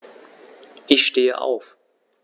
Ich stehe auf.